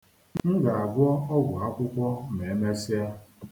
M ga-agwọ ọgwụ akwụkwọ ma e mesịa.